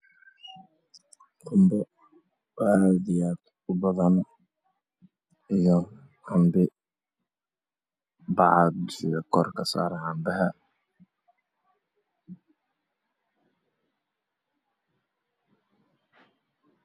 Waa qumbe aad badan iyo cambe bac ayaa kor kasaaran cambaha.